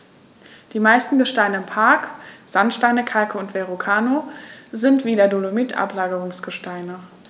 Die meisten Gesteine im Park – Sandsteine, Kalke und Verrucano – sind wie der Dolomit Ablagerungsgesteine.